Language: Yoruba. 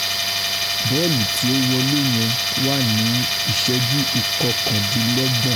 Bọ́ọ̀lù tí ó wọlé yẹn wá ní ìṣẹ́jú ìkọkàndínlọ́gbọ̀n.